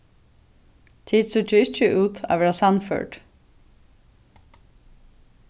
tit síggja ikki út at vera sannførd